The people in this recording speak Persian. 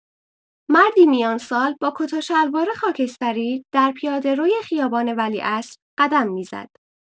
مردی میانسال با کت و شلوار خاکستری در پیاده‌روی خیابان ولیعصر قدم می‌زد.